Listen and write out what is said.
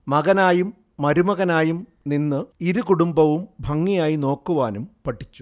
മകനായും മരുമകനായും നിന്ന് ഇരു കുടുംബവും ഭംഗിയായി നോക്കാനും പഠിച്ചു